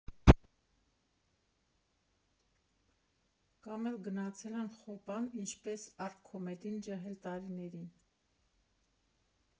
Կամ էլ գնացել են խոպան՝ ինչպես «Արմքոմեդին» ջահել տարիներին։